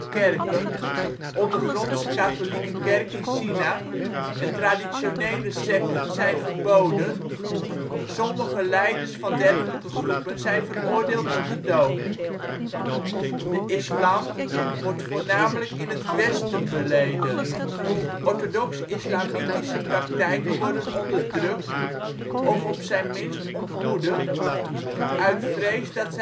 kerken (Ondergrondse Katholieke Kerk in China) en traditionele sekten zijn verboden, sommige leiders van dergelijke groepen zijn veroordeeld tot de dood. De islam wordt voornamelijk in het westen beleden. Orthodox-islamitische praktijken worden onderdrukt, of op zijn minst ontmoedigd, uit vrees dat